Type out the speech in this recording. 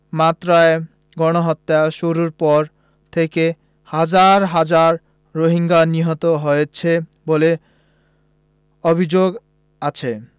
মাত্রায় গণহত্যা শুরুর পর থেকে হাজার হাজার রোহিঙ্গা নিহত হয়েছে বলে অভিযোগ আছে